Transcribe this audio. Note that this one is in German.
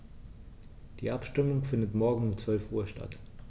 Die Abstimmung findet morgen um 12.00 Uhr statt.